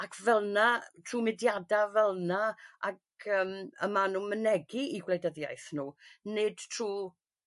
Ac fel 'na trw mudiada fel 'na ac yym y ma' nw mynegi 'u gwleidyddiaeth nhw nid trw